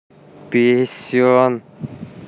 писюн